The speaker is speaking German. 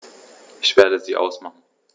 Ich werde sie ausmachen.